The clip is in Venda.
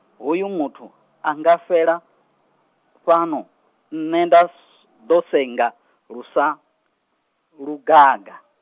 hoyu muthu, anga fela, fhano, nṋe nda s- ḓo senga lusa, lugaga.